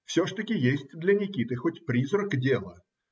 ) Все ж таки есть для Никиты хоть призрак дела.